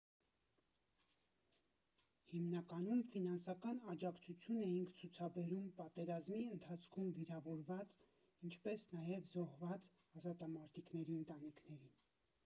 Հիմնականում ֆինանսական աջակցություն էինք ցուցաբերում պատերազմի ընթացքում վիրավորված, ինչպես նաև զոհված ազատամարտիկների ընտանիքներին։